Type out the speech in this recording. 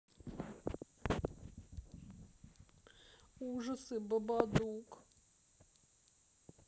ужасы бабадук